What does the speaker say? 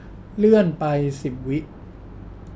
เลื่อนไปสิบวิ